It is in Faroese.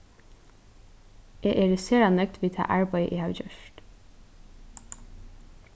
eg eri sera nøgd við tað arbeiðið eg havi gjørt